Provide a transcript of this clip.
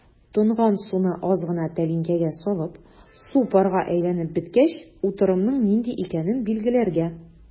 Тонган суны аз гына тәлинкәгә салып, су парга әйләнеп беткәч, утырымның нинди икәнен билгеләргә.